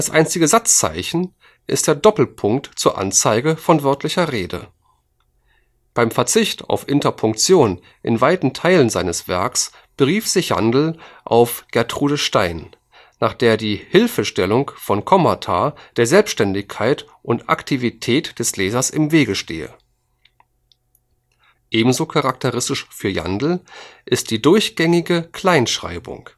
einzige Satzzeichen ist der Doppelpunkt zur Anzeige von wörtlicher Rede. Beim Verzicht auf Interpunktion in weiten Teilen seines Werks berief sich Jandl auf Gertrude Stein, nach der die Hilfestellung von Kommata der Selbständigkeit und Aktivität des Lesers im Wege stehe. Ebenso charakteristisch für Jandl ist die durchgängige Kleinschreibung